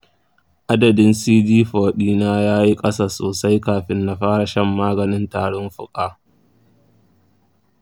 adadin cd4 dina ya yi ƙasa sosai kafin na fara shan maganin tarin fuka.